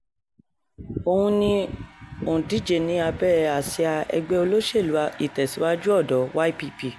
Òun ni òǹdíje ní abẹ́ àsíá Ẹgbẹ́ Olóṣèlú Ìtẹ̀síwájú Ọ̀dọ́ – YPP.